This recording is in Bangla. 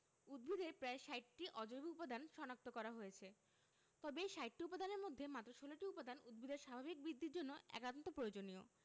উদ্ভিদে প্রায় ৬০টি অজৈব উপাদান শনাক্ত করা হয়েছে তবে এই ৬০টি উপাদানের মধ্যে মাত্র ১৬টি উপাদান উদ্ভিদের স্বাভাবিক বৃদ্ধির জন্য একান্ত প্রয়োজনীয়